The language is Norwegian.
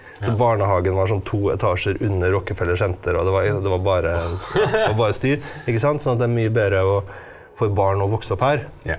så barnehagen var sånn to etasjer under Rockefeller center, og det var det var bare var bare styr ikke sant sånn at det er mye bedre å for barn å vokse opp her.